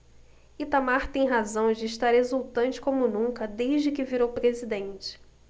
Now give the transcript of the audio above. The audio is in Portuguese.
itamar tem razão de estar exultante como nunca desde que virou presidente